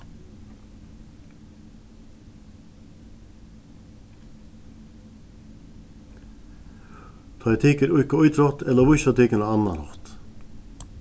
tá tykur íðka ítrótt ella vísa tykkum á annan hátt